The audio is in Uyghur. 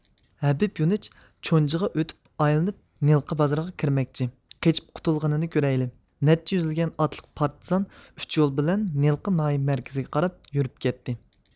ھەبىپ يۇنىچ چونجىغا ئۆتۈپ ئايلىنىپ نىلقا بازىرىغا كىرمەكچى قېچىپ قۇتۇلغىنىنى كۆرەيلى نەچچە يۈزلىگەن ئاتلىق پارتىزان ئۈچ يول بىلەن نىلقا ناھىيە مەركىزىگە قاراپ يۈرۈپ كەتتى